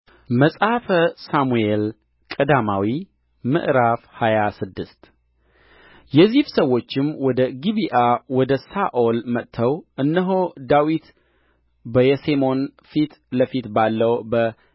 መጽሐፈ ሳሙኤል ቀዳማዊ ምዕራፍ ሃያ ስድስት የዚፍ ሰዎችም ወደ ጊብዓ ወደ ሳኦል መጥተው እነሆ ዳዊት በየሴሞን ፊት ለፊት ባለው